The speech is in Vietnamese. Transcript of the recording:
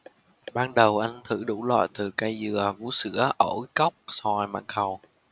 ban đầu anh thử đủ loại từ cây dừa vú sữa ổi cóc xoài mãng cầu